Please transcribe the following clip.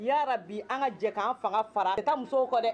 Y'a rabi! an ka jɛn k'an fanga fara. A tɛ taa musow kɔ dɛ!